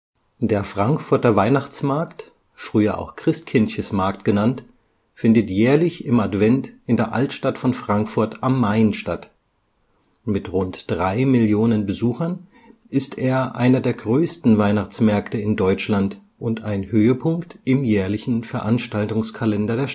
Der Frankfurter Weihnachtsmarkt (früher auch Christkindchesmarkt genannt) findet jährlich im Advent in der Altstadt von Frankfurt am Main statt. Mit rund drei Millionen Besuchern ist er einer der größten Weihnachtsmärkte in Deutschland und ein Höhepunkt im jährlichen Veranstaltungskalender